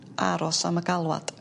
aros am y galwad.